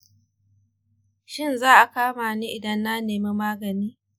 shin za a kama ni idan na nemi magani?